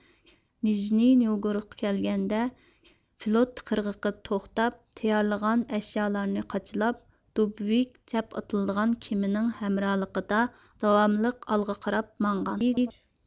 نىژنى نوۋگورودقا كەلگەندە فلوت قىرغىقىدا توختاپ تەييارلىغان ئەشيالارنى قاچىلاپ دۇبۋىك دەپ ئاتىلىدىغان كېمىنىڭ ھەمراھلىقىدا داۋاملىق ئالغا قاراپ ماڭغان